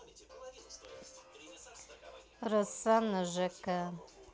rosanna жека